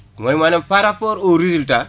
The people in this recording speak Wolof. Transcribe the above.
mooy maanaam par rapport aux résultats